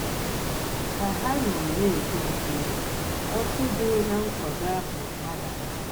Ka ha nọ na-ekwu okwu, ọkụ dị na nkwago ahụ gbadara.